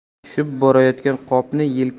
tushib borayotgan qopni